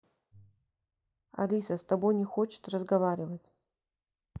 алиса с тобой не хочет разговаривать